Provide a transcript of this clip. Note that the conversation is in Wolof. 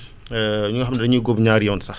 ñi nga xam ne dañuy góob ñaari yoon sax